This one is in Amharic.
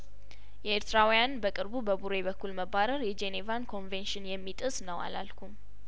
የኤርትራውያን በቅርቡ በቡሬ በኩል መባረር የጄኔቫን ኮንቬንሽን የሚጥስ ነው አላልኩም